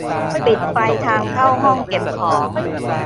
ปิดไฟทางเข้าห้องเก็บของ